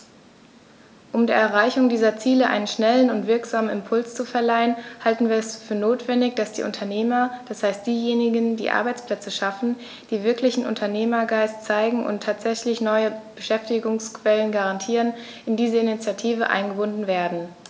Um der Erreichung dieser Ziele einen schnellen und wirksamen Impuls zu verleihen, halten wir es für notwendig, dass die Unternehmer, das heißt diejenigen, die Arbeitsplätze schaffen, die wirklichen Unternehmergeist zeigen und tatsächlich neue Beschäftigungsquellen garantieren, in diese Initiative eingebunden werden.